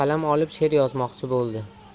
olib sher yozmoqchi bo'ldi